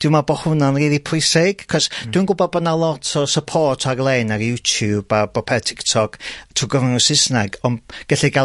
Dwi me'wl bo hwnna'n rili pwysig, 'c'os dwi'n gwbod bo' 'na lot o support ar lein ar YouTube a bo' pe' Tiktok trw gyfrwng y Sysneg ond gelli ga'l